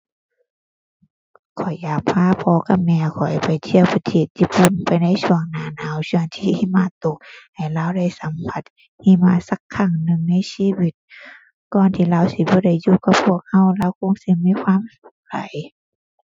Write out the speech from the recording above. ข้อยอยากพาพ่อกับแม่ข้อยไปเที่ยวประเทศญี่ปุ่น ไปในช่วงหน้าหนาว ช่วงที่หิมะตก ให้เลาได้สัมผัสหิมะสักครั้งหนึ่งในชีวิต ก่อนที่เลาสิบ่ได้อยู่กับพวกเรา เลาคงสิมีความ หลาย